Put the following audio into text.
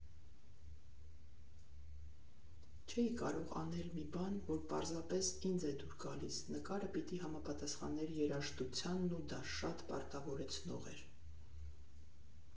«Չէի կարող անել մի բան, որ պարզապես ինձ է դուր գալիս, նկարը պիտի համապատասխաներ երաժշտությանն ու դա շատ պարտավորեցնող էր։